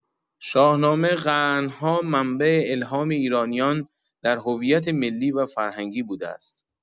شاهنامه قرن‌ها منبع الهام ایرانیان در هویت ملی و فرهنگی بوده است.